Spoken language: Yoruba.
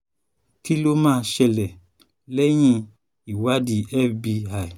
Kí ló máa ṣẹ̀lẹ lẹ́yìn ìwádìí FBI?